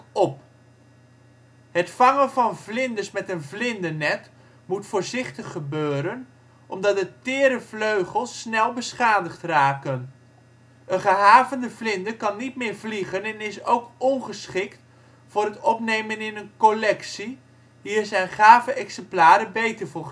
vangen van vlinders met een vlindernet moet voorzichtig gebeuren omdat de tere vleugels snel beschadigd raken. Een gehavende vlinder kan niet meer vliegen en is ook ongeschikt voor het opnemen in een collectie, hier zijn gave exemplaren beter voor